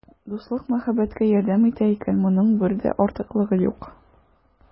Дуслык мәхәббәткә ярдәм итә икән, моның бер дә артыклыгы юк.